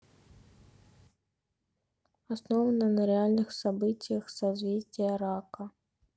основано на реальных событиях созвездие рака